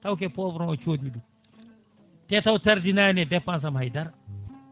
taw koye poivron o codmi ɗum te taw tardinani e dépense am haydara